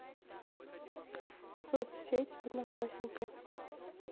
соцсеть одноклассники